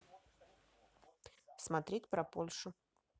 смотреть про польшу